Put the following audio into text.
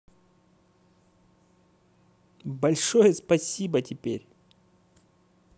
большое спасибо теперь